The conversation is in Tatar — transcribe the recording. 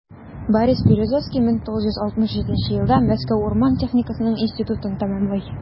Борис Березовский 1967 елда Мәскәү урман техникасы институтын тәмамлый.